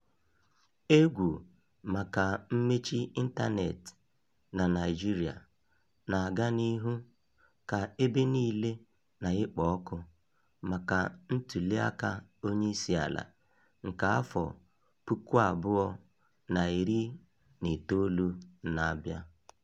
Égwù maka mmechi ịntaneetị na Naịjirịa na-aga n'ihu ka ebe niile na-ekpo ọkụ maka ntụliaka onyeisiala nke afọ 2019 na-abịa.